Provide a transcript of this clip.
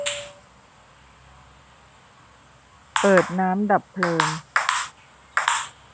เปิดน้ำดับเพลิง